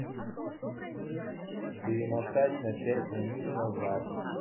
перемотать на пять минут назад